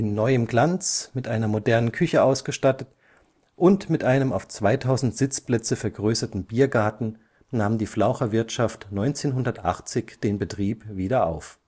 neuem Glanz, mit einer modernen Küche ausgestattet und mit einem auf 2.000 Sitzplätze vergrößerten Biergarten, nahm die Flaucherwirtschaft 1980 den Betrieb wieder auf